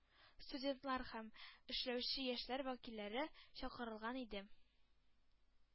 Студентлар һәм эшләүче яшьләр вәкилләре чакырылган иде.